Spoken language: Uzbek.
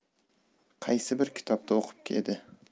qaysi bir kitobda o'qib edi